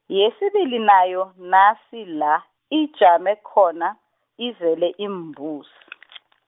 yesibili nayo, nasi la, ijame khona, izele iimbuzi.